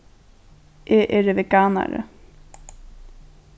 eg eri veganari